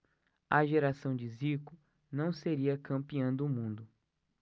a geração de zico não seria campeã do mundo